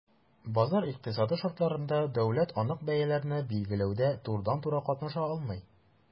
Базар икътисады шартларында дәүләт анык бәяләрне билгеләүдә турыдан-туры катнаша алмый.